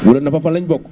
Wula Nafa fan lañ bokk